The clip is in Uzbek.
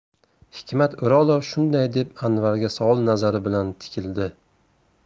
hikmat o'rolov shunday deb anvarga savol nazari bilan tikildi